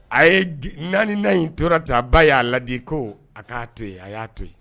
A ye naani naani in tora ta a ba y'a ladi ko a k'a to ye a y'a to yen